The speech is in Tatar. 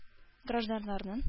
Гражданнарның